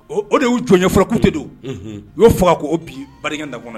Ɔ o de y'u jɔnɔnorokute don u y'o f faga ko o bi bada kɔnɔ